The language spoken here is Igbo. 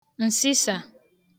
ǹsịsà